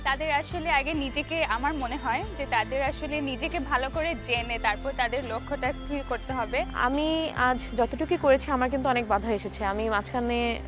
তাদের আসলে নিজেকে আমার মনে হয় যে তাদের আসলে ভালো করে জেনে তারপর তাদের লক্ষ্য টাস্কি করতে হবে আমি আজ যতটুকুই করেছি আমার কিন্তু বাধা এসেছে আমি মাঝখানে